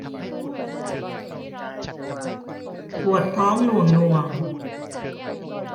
ปวดท้องหน่วงหน่วง